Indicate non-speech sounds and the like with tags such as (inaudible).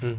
(hesitation) (hesitation)